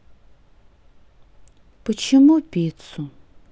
почему пиццу